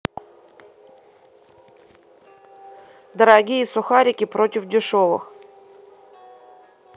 дорогие сухарики против дешевых